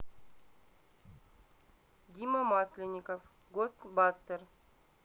дима масленников гост бастер